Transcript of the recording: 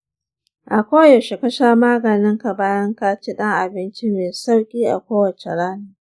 a koyaushe ka sha maganinka bayan ka ci ɗan abinci mai sauƙi a kowace rana.